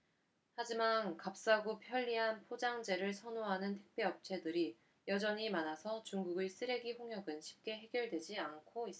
하지만 값싸고 편리한 포장재를 선호하는 택배업체들이 여전히 많아서 중국의 쓰레기 홍역은 쉽게 해결되지 않고 있습니다